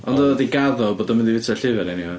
Oedd o 'di gaddo bod o'n mynd i bwyta'r llyfr eniwe.